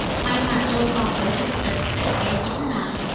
may mà tôi còn đủ bình tĩnh để cải chính lại